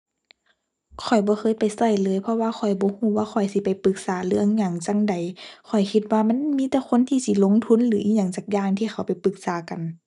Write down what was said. ข้อยบ่เคยไปใช้เลยเพราะว่าข้อยบ่ใช้ว่าข้อยสิไปปรึกษาเรื่องหยังจั่งใด ข้อยคิดว่ามันมีแต่คนที่สิลงทุนหรืออิหยังสักอย่างที่เขาไปปรึกษากัน